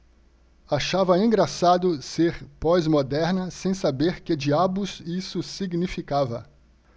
achava engraçado ser pós-moderna sem saber que diabos isso significava